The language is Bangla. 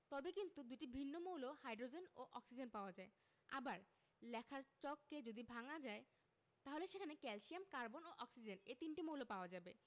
তবে কিন্তু দুটি ভিন্ন মৌল হাইড্রোজেন ও অক্সিজেন পাওয়া যায় আবার লেখার চককে যদি ভাঙা যায় তাহলে সেখানে ক্যালসিয়াম কার্বন ও অক্সিজেন এ তিনটি মৌল পাওয়া যাবে